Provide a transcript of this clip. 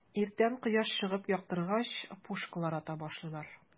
Иртән кояш чыгып яктыргач, пушкалар ата башлыйлар.